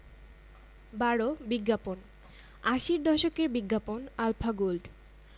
১২ বিজ্ঞাপন আশির দশকের বিজ্ঞাপন আলফা গোল্ড